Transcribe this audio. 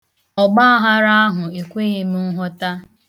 Ọgbaaghara ahụ ekweghị m nghọta.